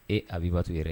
Ee Abbatu yɛrɛ!